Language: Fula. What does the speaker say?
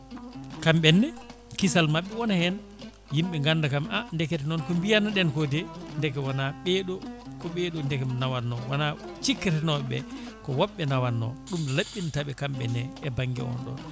kamɓenne kiisal mabɓe wona hen yimɓe ganda kaam a deekete noon ko mbiyanno ɗen ko de deeke wona ɓeeɗo ko ɓeeɗo deeke nawanno wona cikkete nooɓeɓe ko wobɓe nawanno ɗum labɓintaɓe kamɓene e banggue o ɗon